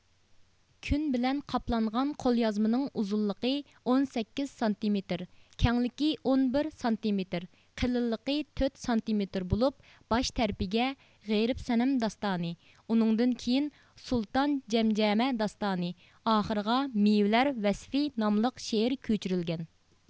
كۈن بىلەن قاپلانغان قوليازمىنىڭ ئۇزۇنلۇقى ئون سەككىز سانتىمېتىر كەڭلىكى ئون بىر سانتىمېتىر قېلىنلىقى تۆت سانتىمېتىر بولۇپ باش تەرىپىگە غېرىب سەنەم داستانى ئۇنىڭدىن كېيىن سۇلتانى جەمجەمە داستانى ئاخىرىغا مېۋىلەر ۋەسفى ناملىق شېئىر كۆچۈرۈلگەن